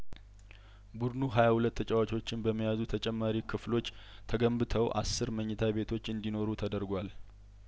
ቡድኑ ሀያሁለት ተጫዋቾችን በመያዙ ተጨማሪ ክፍሎች ተገንብተው አስር መኝታ ቤቶች እንዲ ኖሩ ተደርጓል